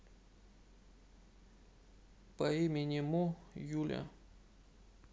по имени му юля